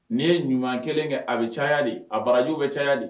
N'i ye ɲuman kelen kɛ a bɛ cayali a barajw bɛ cayali